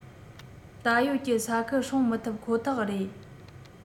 ད ཡོད ཀྱི ས ཁུལ སྲུང མི ཐུབ ཁོ ཐག རེད